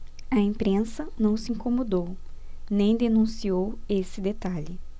a imprensa não se incomodou nem denunciou esse detalhe